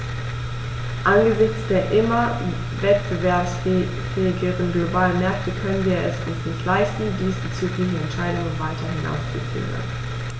Angesichts der immer wettbewerbsfähigeren globalen Märkte können wir es uns nicht leisten, diesbezügliche Entscheidungen weiter hinauszuzögern.